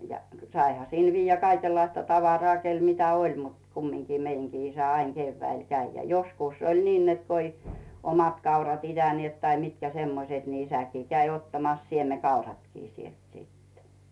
ja saihan sillä viedä kaikenlaista tavaraa kenellä mitä oli mutta kumminkin meidänkin isä aina keväällä kävi ja joskus oli niin että kun ei omat kaurat itäneet tai mitkä semmoiset niin isäkin kävi ottamassa siemenkauratkin sieltä sitten